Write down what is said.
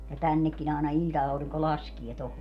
ja tännekin aina ilta-aurinko laskee tuohon